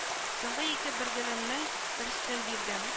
Соңгы ике берлегемнең берсен бирдем